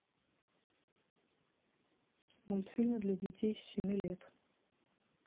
мультфильмы для детей с семи лет